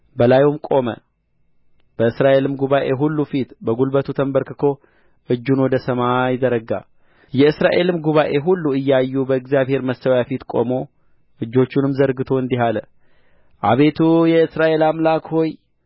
በላዩም ቆመ በእስራኤልም ጉባኤ ሁሉ ፊት በጕልበቱ ተንበርክኮ እጁን ወደ ሰማይ ዘረጋ የእስራኤልም ጉባኤ ሁሉ እያዩ በእግዚአብሔር መሠዊያ ፊት ቆሞ እጆቹንም ዘርግቶ እንዲህ አለ አቤቱ የእስራኤል አምላክ ሆይ